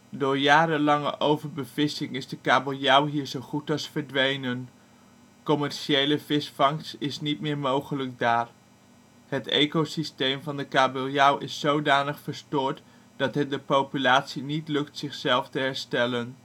Door jarenlange overbevissing is de kabeljauw hier zo goed als verdwenen. Commerciële visvangst is niet meer mogelijk daar. Het ecosysteem van de kabeljauw is zodanig verstoord dat het de populatie niet lukt zichzelf te herstellen